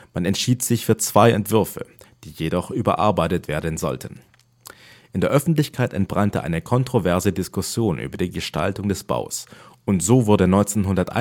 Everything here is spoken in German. Man entschied sich für zwei Entwürfe, die jedoch überarbeitet werden sollten. In der Öffentlichkeit entbrannte eine kontroverse Diskussion über die Gestaltung des Baus, und so wurde 1961